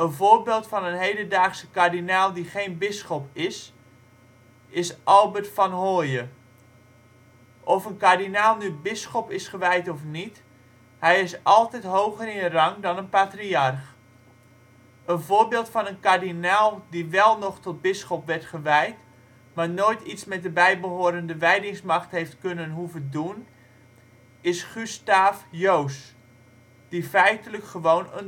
voorbeeld van een hedendaagse kardinaal die geen bisschop is, is Albert Vanhoye. Of een kardinaal nu bisschop is gewijd of niet, hij is altijd hoger in rang dan een patriarch. Een voorbeeld van een kardinaal die wel nog tot bisschop werd gewijd, maar nooit iets met de bijbehorende wijdingsmacht heeft kunnen (hoeven) doen, is Gustaaf Joos, die feitelijk gewoon